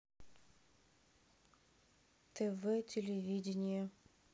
тв телевидение